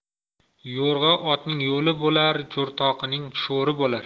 yo'rg'a otning yo'li bo'lar jo'rtoqining sho'ri bo'lar